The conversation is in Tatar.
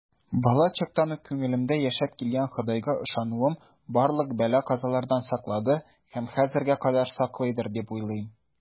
Балачактан ук күңелемдә яшәп килгән Ходайга ышануым барлык бәла-казалардан саклады һәм хәзергә кадәр саклыйдыр дип уйлыйм.